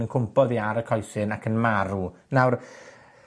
yn cwmpo oddi ar y coesyn ac yn marw. Nawr,